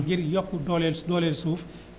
ngir yokk dooleel dooleel suuf